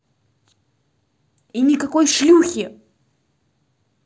и никакой шлюхи